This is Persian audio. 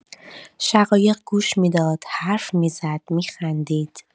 شقایق گوش می‌داد، حرف می‌زد، می‌خندید.